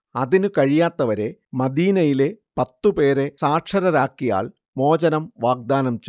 അതിന് കഴിയാത്തവരെ മദീനയിലെ പത്ത് പേരെ സാക്ഷരരാക്കിയാൽ മോചനം വാഗ്ദാനം ചെയ്തു